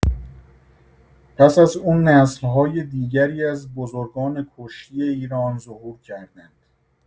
پس از او نسل‌های دیگری از بزرگان کشتی ایران ظهور کردند.